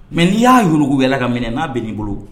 Mɛ n'i y'a yugu yala ka minɛ n'a bɛn n'i bolo